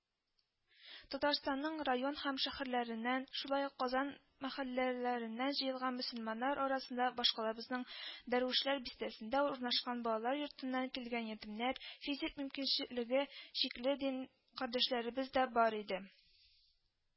Татарстанның район һәм шәһәрләреннән, шулай ук Казан мәхәлләләреннән җыелган мөселманнар арасында башкалабызның Дәрвишләр бистәсендә урнашкан балалар йортыннан килгән ятимнәр, физик мөмкинчелеге чикле дин кардәшләребез дә бар иде